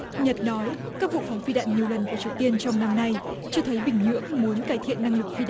nhật nói các vụ phóng phi đạn nhiều lần của triều tiên trong năm nay chưa thấy bình nhưỡng muốn cải thiện năng lực phi